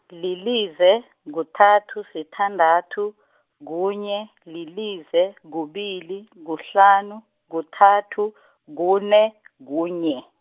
lilize, kuthathu, sithandathu, kunye, lilize, kubili, kuhlanu, kuthathu , kune , kunye.